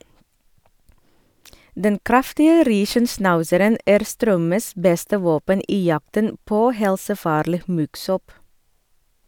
Den kraftige riesenschnauzeren er Strømmes beste våpen i jakten på helsefarlig muggsopp.